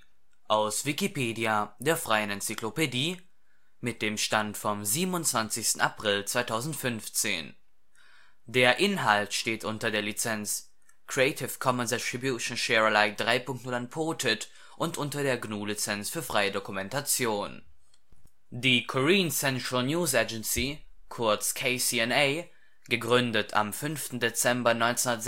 aus Wikipedia, der freien Enzyklopädie. Mit dem Stand vom Der Inhalt steht unter der Lizenz Creative Commons Attribution Share Alike 3 Punkt 0 Unported und unter der GNU Lizenz für freie Dokumentation. Koreanische Schreibweise Koreanisches Alphabet: 조선중앙통신사 Hanja: 朝鮮中央通信社 Revidierte Romanisierung: Joseon jungang tongsinsa McCune-Reischauer: Chosŏn chungang t’ ongsinsa Die Korean Central News Agency (kurz KCNA), gegründet am 5. Dezember 1946